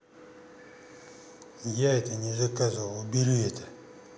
я это не заказывал уберите это